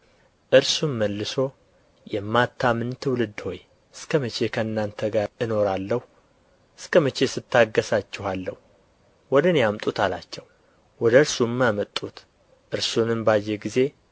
እርሱም መልሶ የማታምን ትውልድ ሆይ እስከመቼ ከእናንተ ጋር እኖራለሁ እስከ መቼስ እታገሣችኋለሁ ወደ እኔ አምጡት አላቸው ወደ እርሱም አመጡት እርሱንም ባየ ጊዜ